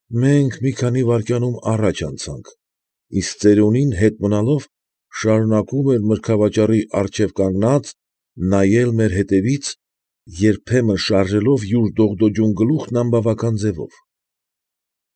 Մենք մի քանի վայրկյանում առաջ անցանք, իսկ ծերունին հետ մնալով շարունակում էր մրգավաճառի առջև կանգնած նայել մեր հետևից, երբեմն շարժելով յուր դողդոջուն գլուխն անբավական ձևով։